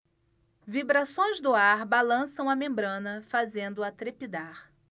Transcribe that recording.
vibrações do ar balançam a membrana fazendo-a trepidar